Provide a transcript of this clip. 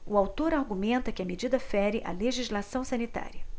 o autor argumenta que a medida fere a legislação sanitária